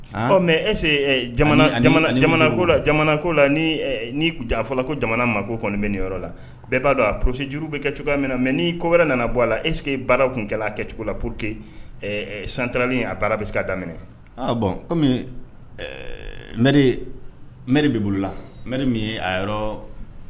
Mɛ ese ko la jamana ko la jan afɔla ko jamana ma ko kɔni bɛ ne yɔrɔ la bɛɛ b'a dɔn a posi juruuru bɛ kɛ cogoya min na mɛ ni ko wɛrɛ nana bɔ a ese baara tun kɛ kɛcogo la po que santalen a baara bɛ se k'a daminɛ bɔn kɔmi m bɛ bolo la m min a yɔrɔ